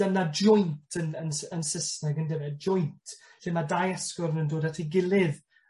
dyna jwynt yn yn S- yn Sysneg yndyfe? Jwynt lle ma' dau asgwrn yn dod at ei gilydd